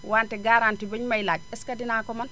wante garanti bi ñu may laaj est ce que dinaa ko mën